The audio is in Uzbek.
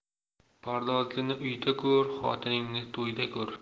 pardozlini uyda ko'r xotiningni to'yda ko'r